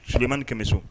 Souleymane Kemeso